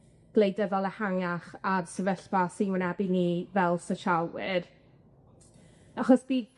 gwleidyddol ehangach a'r sefyllfa sy'n wynebu ni fel sosialwyr, achos bydd